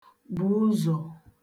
bu ụzò